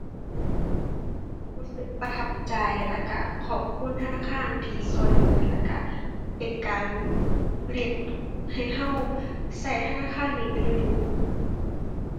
รู้สึกประทับใจแล้วรู้ขอบคุณธนาคารที่รู้เหลือ แล้วรู้เป็นการเรียกให้รู้รู้ธนาคารนี้ไปดู๋ดู๋